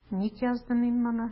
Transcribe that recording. Ник яздым мин моны?